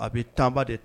A bi temps ba de